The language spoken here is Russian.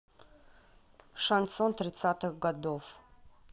шансон тридцатых годов